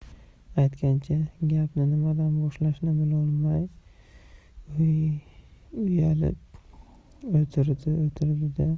anchagacha gapni nimadan boshlashni bilolmay uyalib o'tirdi o'tirdi da